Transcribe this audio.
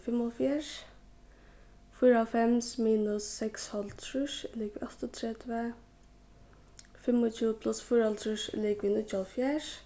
fimmoghálvfjerðs fýraoghálvfems minus seksoghálvtrýss er ligvið áttaogtretivu fimmogtjúgu pluss fýraoghálvtrýss er ligvið níggjuoghálvfjerðs